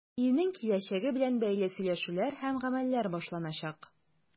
Илнең киләчәге белән бәйле сөйләшүләр һәм гамәлләр башланачак.